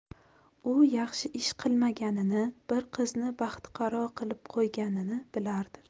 u yaxshi ish qilmaganini bir qizni baxtiqaro qilib qo'yganini bilardi